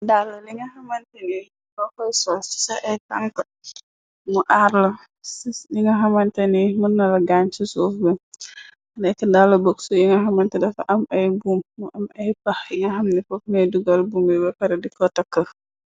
Dalle li nga xamanta ni so koysol ci ca ay tanke mu aarla se li nga xamantani mën nala gaañ ci suuf bi neke dala bëkgsu yu nga xamante dafa am ay buum mu am ay pax yi nga xamni fofgaye dugal buum bi ba pare di ko takkër.